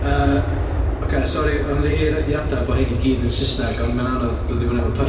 Yy ocê sori ymddiheiriada bo' rhein i gyd yn Sysneg, on mae'n anodd dod i fyny efo puns.